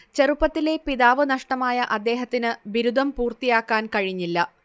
ചെറുപ്പത്തിലേ പിതാവ് നഷ്ടമായ അദ്ദേഹത്തിനു ബിരുദം പൂർത്തിയാക്കാൻ കഴിഞ്ഞില്ല